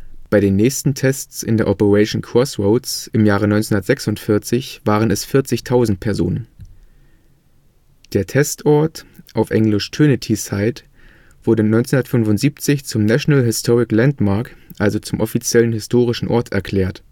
Bei den nächsten Tests (Operation Crossroads) im Jahre 1946 waren es 40.000 Personen. Der Testort (engl. Trinity site) wurde 1975 zum National Historic Landmark (offizieller historischer Ort) erklärt